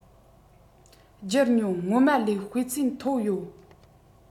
སྒྱུར མྱོང སྔོན མ ལས སྤུས ཚད མཐོ ཡོད